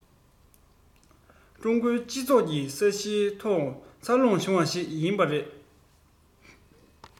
ཀྲུང གོའི སྤྱི ཚོགས ཀྱི ས གཞིའི ཐོག འཚར ལོངས བྱུང བ ཞིག ཡིན པས རེད